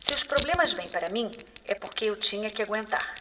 se os problemas vêm para mim é porque eu tinha que aguentar